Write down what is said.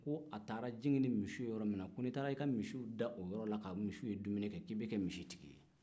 k'a taara jigi ni misiw ye yɔrɔ min na ko ni taara i ka misiw da o yɔrɔ la ka misiw ladumuni k'i bɛ kɛ misitigi ye